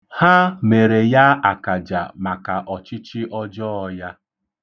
̣Ha mere ya akaja maka ọchịchị ọjọọ ya.